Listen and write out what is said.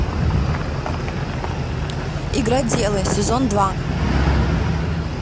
игроделы сезон два